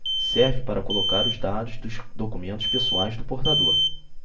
serve para colocar os dados dos documentos pessoais do portador